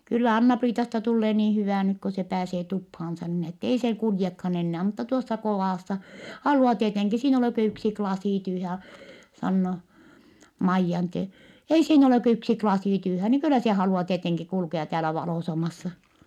kyllä Anna-Priitasta tulee niin hyvä nyt kun se pääsee tupaansa niin että ei se kuljekaan enää mutta tuossa kodassa haluaa tietenkin siinä ei ole kuin yksi lasi tyhjän ja sanoo Maijan - ei siinä ole kuin yksi lasi tyhjän niin kyllä se haluaa tietenkin kulkea täällä valoisammassa